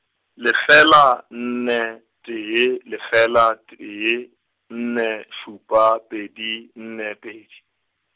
lefela, nne, tee, lefela, tee, nne, šupa, pedi, nne, pedi.